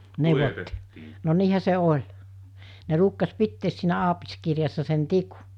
neuvottiin no niinhän se oli ne ruukasi pitää siinä aapiskirjassa sen tikun